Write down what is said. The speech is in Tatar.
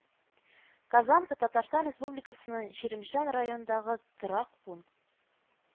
Казанка Татарстан Республикасының Чирмешән районындагы торак пункт